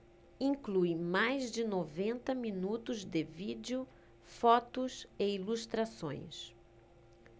inclui mais de noventa minutos de vídeo fotos e ilustrações